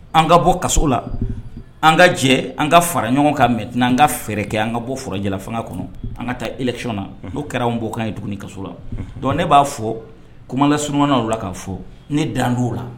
An ka bɔ kaso la an ka jɛ an ka fara ɲɔgɔn ka mɛn n'an ka fɛɛrɛ kɛ an ka bɔ forofan kɔnɔ an ka taa ecɔn na n'o kɛra an bɔ kan ye dugu kaso la dɔn ne b'a fɔ kumalas la ka fɔ ne dan dɔw la